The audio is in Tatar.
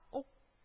Ук